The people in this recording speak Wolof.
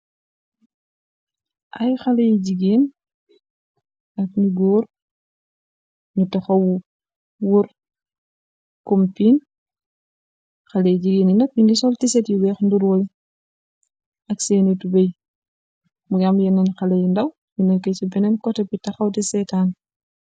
ayyy khaleh yu jigeeen ak yu goor nyu takhaw worr compin khaleyi jigeen yi nak nyu ngi sol yu wexx nduroleh ak seni tubêy mungi am yenen khaleh yu ndah nekeh ci benen koteh si nek di setan